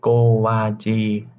โกวาจี